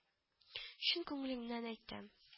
— чын күңелеңнән әйтәм: